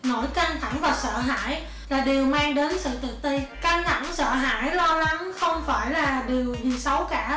nỗi căng thẳng và sợ hãi là điều mang đến sự tự ti căng thẳng sợ hãi lo lắng không phải là điều gì xấu cả